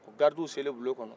garidiw selen bulon kɔnɔ